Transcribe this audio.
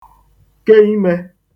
ke ime